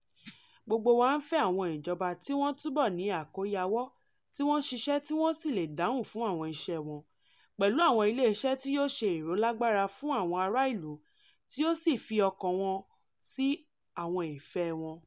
Gbogbo wa ń fẹ́ àwọn ìjọba tí wọ́n túbọ̀ ní àkóyawọ́, tí wọ́n ń ṣiṣẹ́ tí wọ́n sì lè dáhùn fún àwọn iṣẹ́ wọn — pẹ̀lú àwọn ilé-iṣẹ́ tí yóò ṣe ìrólágbára fún àwọn ará-ìlú tí yóò sì fi ọkàn sí àwọn ìfẹ́ wọn.